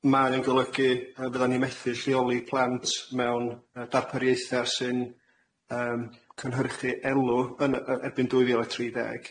mae o'n golygu yy fyddan ni methu lleoli plant mewn yy darpariaethe sy'n yym cynhyrchu elw yn yy yy erbyn dwy fil a tri deg.